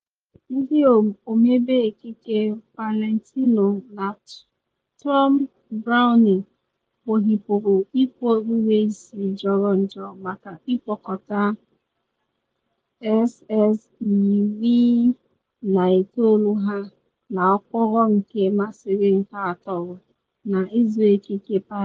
Ndị ọmebe ekike Valentino na Thom Browne kpughepuru ikpo uwe isi jọrọ njọ maka mkpokọta SS19 ha n’okporo nke masịrị nka atọrọ na Izu Ekike Paris.